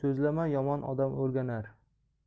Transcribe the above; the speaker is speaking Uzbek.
so'zlama yomon odam o'rganar